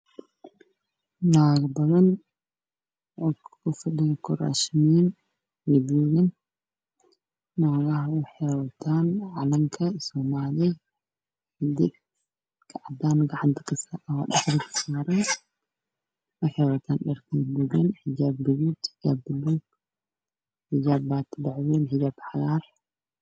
Waa niman ku fadhiya kuraas